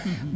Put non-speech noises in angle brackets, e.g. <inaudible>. <hesitation> <hesitation>